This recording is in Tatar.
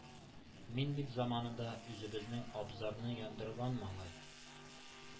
Мин бит заманында үзебезнең абзарны яндырган малай